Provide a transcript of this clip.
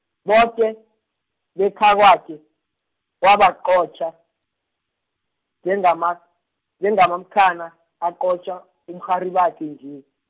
boke, bekhakwakhe, wabaqotjha, njengama-, njenganamkhana, aqotjha, umrharibakhe nje.